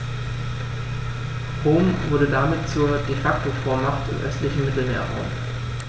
Rom wurde damit zur ‚De-Facto-Vormacht‘ im östlichen Mittelmeerraum.